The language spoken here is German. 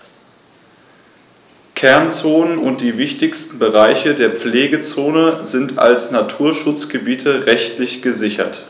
Kernzonen und die wichtigsten Bereiche der Pflegezone sind als Naturschutzgebiete rechtlich gesichert.